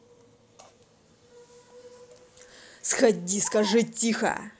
сходи скажи тихо